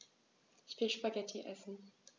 Ich will Spaghetti essen.